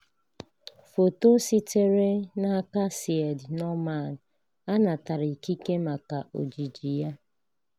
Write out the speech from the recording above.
Foto sitere n'aka Syed Noman. A natara ikike maka ojiji ya.